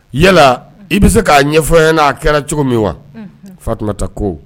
Yala i bɛ se k'a ɲɛfɔ ye n'a kɛra cogo min wa fatuma tɛ ko